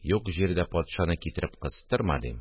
Юк җирдә патшаны китереп кыстырма, – дим